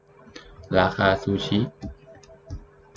ราคาซูชิ